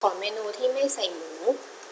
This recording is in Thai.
ขอเมนูที่ไม่ใส่หมู